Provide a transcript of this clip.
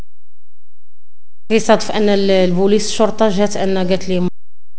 يصف ان البوليس شرطه جازان